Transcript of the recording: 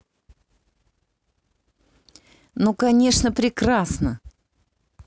ну конечно прекрасно